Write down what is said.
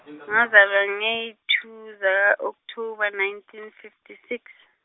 ngazalwa nge- two zaka- October nineteen fifty six.